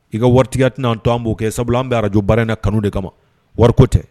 I ka waritigiya tɛna a to an b'o kɛ, sabula an bɛ radio baara in na kanu de kama wari ko tɛ